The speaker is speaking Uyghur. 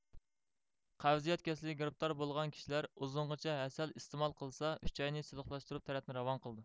قەۋزىيەت كېسىلىگە گىرىپتار بولغان كىشىلەر ئۇزۇنغىچە ھەسەل ئىستېمال قىلسا ئۈچەينى سىلىقلاشتۇرۇپ تەرەتنى راۋان قىلىدۇ